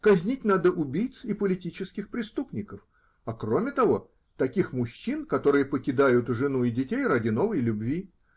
Казнить надо убийц и политических преступников, а кроме того, таких мужчин, которые покидают жену и детей ради новой любви.